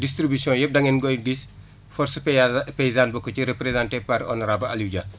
distribution yëpp da ngeen koy gis force paysane bokk ci représenté par honorable Aliou Dia